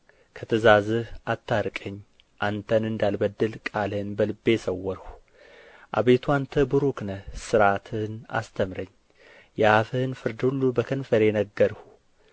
ከትእዛዝህ አታርቀኝ አንተ እንዳልበድል ቃልህን በልቤ ሰወርሁ አቤቱ አንተ ቡሩክ ነህ ሥርዓትህን አስተምረኝ የአፍህን ፍርድ ሁሉ በከንፈሬ ነገርሁ